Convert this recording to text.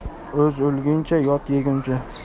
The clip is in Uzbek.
o'z o'lguncha yot yeguncha